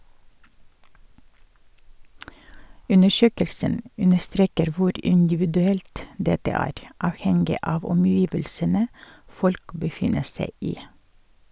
- Undersøkelsen understreker hvor individuelt dette er , avhengig av omgivelsene folk befinner seg i.